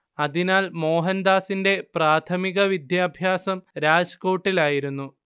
അതിനാൽ മോഹൻദാസിന്റെ പ്രാഥമിക വിദ്യാഭ്യാസം രാജ്കോട്ടിലായിരുന്നു